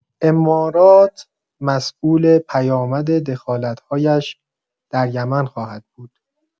امارات مسئول پیامد دخالت‌هایش در یمن خواهد بود.